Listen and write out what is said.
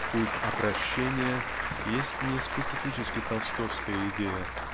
культ опрощения есть не специфически-толстовская идея